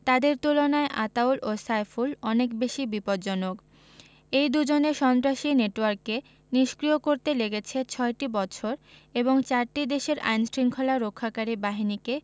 তাদের তুলনায় আতাউল ও সাইফুল অনেক বেশি বিপজ্জনক এই দুজনের সন্ত্রাসী নেটওয়ার্ককে নিষ্ক্রিয় করতে লেগেছে ছয়টি বছর এবং চারটি দেশের আইনশৃঙ্খলা রক্ষাকারী বাহিনীকে